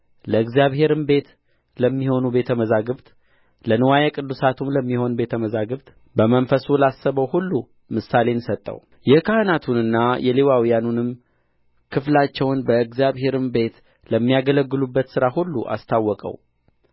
ለእግዚአብሔርም ቤት ለሚሆኑ ቤተ መዛግብት ለንዋየ ቅድሳቱም ለሚሆኑ ቤተ መዛግብት በመንፈሱ ላሰበው ሁሉ ምሳሌን ሰጠው የካህናቱንና የሌዋውያኑንም ክፍላቸውን በእግዚአብሔርም ቤት በሚያገለግሉበት ሥራ ሁሉ አስታወቀው